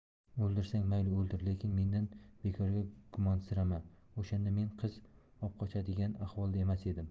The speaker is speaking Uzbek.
o'ldirsang mayli o'ldir lekin mendan bekorga gumonsirama o'shanda men qiz obqochadigan ahvolda emas edim